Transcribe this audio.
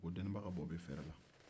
deninba ka bɔ bɛ fɛrɛ la